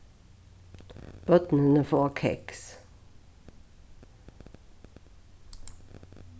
børnini fáa keks